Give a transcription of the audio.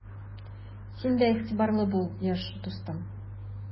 Син дә игътибарлы бул, яшь дустым!